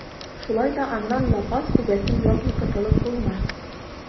Шулай да аннан лапас түбәсен япмый котылып булмас.